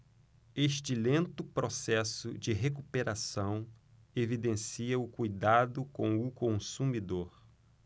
este lento processo de recuperação evidencia o cuidado com o consumidor